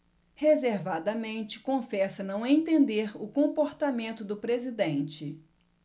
reservadamente confessa não entender o comportamento do presidente